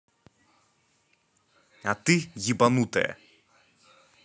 а ты ебанутая